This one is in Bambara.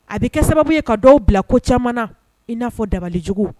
A bɛ kɛ sababu ye ka dɔw bila ko caman na i n'a fɔ dabalijugu